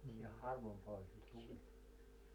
vähä harvempaa oisit lukent.